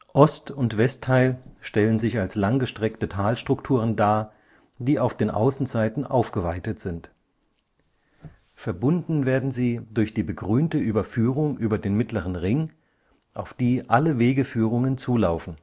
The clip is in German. Ost - und Westteil stellen sich als langgestreckte Talstrukturen dar, die auf den Außenseiten aufgeweitet sind. Verbunden werden sie durch die begrünte Überführung über den Mittleren Ring, auf die alle Wegeführungen zulaufen